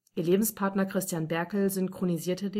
Lebenspartner Christian Berkel synchronisierte